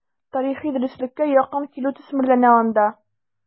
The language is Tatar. Тарихи дөреслеккә якын килү төсмерләнә анда.